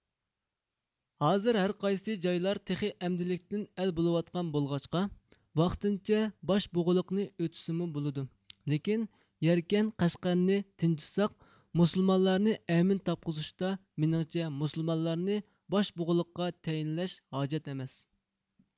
ھازىر ھەرقايسى جايلار تېخى ئەمدىلىكتىن ئەل بولۇۋاتقان بولغاچقا ۋاقتىنچە باشبۇغىلىقنى ئۆتىسىمۇ بولىدۇ لېكىن يەركەن قەشقەرنى تىنجىتساق مۇسۇلمانلارنى ئەمىن تاپقۇزۇشتا مېنىڭچە مۇسۇلمانلارنى باشبۇغلىققا تەيىنلەش ھاجەت ئەمەس